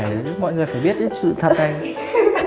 chứ mọi người phải biết chứ sự thật này